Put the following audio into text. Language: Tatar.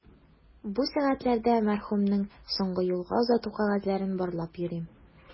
Бу сәгатьләрдә мәрхүмнең соңгы юлга озату кәгазьләрен барлап йөрим.